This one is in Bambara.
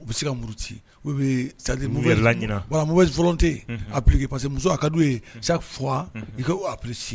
U bɛ se ka muru ci u bɛ sadi wɛrɛla wa wɛrɛ dɔrɔnte aki parce que a kadu ye sa fwa i ka sini